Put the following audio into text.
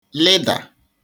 lịdà